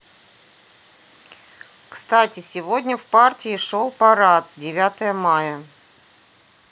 кстати сегодня в партии шел парад девятое мая